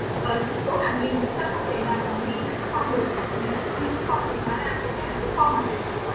ở chữ số hàng nghìn chúng ta không thể nào mà ghi là số không đủ nếu như ghi số thì hóa ra số này là số không à